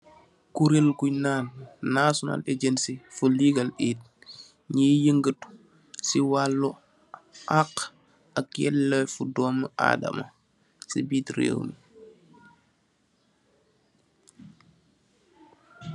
Kuril bun nan National Agency For Legal Aids buye yaigatu se walum aha ak yelefu domu adama se birr rewmi.